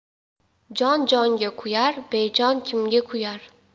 jon jonga kuyar bejon kimga kuyar